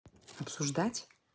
осуждать